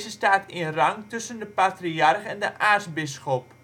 staat in rang tussen de patriarch en de aartsbisschop